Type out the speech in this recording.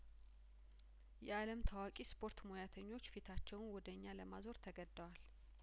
የአለም ታዋቂ ስፖርት ሙያተኞች ፊታቸውን ወደ እኛ ለማዞር ተገደዋል